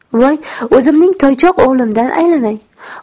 voy o'zimning toychoq o'g'limdan aylanay